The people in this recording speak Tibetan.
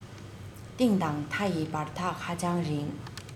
གཏིང དང མཐའ ཡི བར ཐག ཧ ཅང རིང